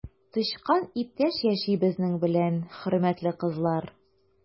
Тычкан иптәш яши безнең белән, хөрмәтле кызлар!